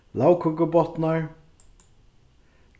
lagkøkubotnar